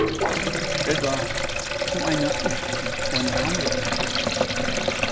ella sum eina yrking og eina samrøðu